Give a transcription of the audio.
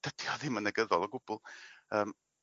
dydi o ddim yn negyddol o gwbwl. Yym.